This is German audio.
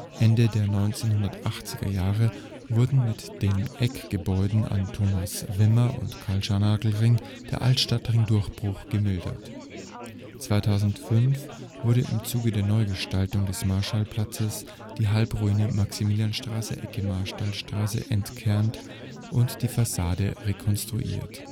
Ende der 1980er Jahre wurden mit den Eckgebäuden an Thomas-Wimmer - und Karl-Scharnagl-Ring der Altstadtring-Durchbruch gemildert. 2005 wurde im Zuge der Neugestaltung des Marstallplatzes die Halbruine Maximilianstraße/Ecke Marstallplatz entkernt und die Fassade rekonstruiert